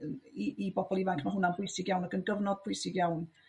i i bobol ifanc ma' hwna'n bwysig iawn ac yn gyfnod pwysig iawn yym